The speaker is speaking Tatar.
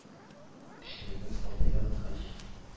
– кечкенәдән спортны яраткач,